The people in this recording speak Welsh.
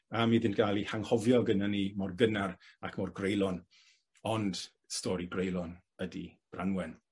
am iddynt ga'l 'u hanghofio gynnon ni mor gynnar ac mor greulon, ond stori greulon ydi Branwen.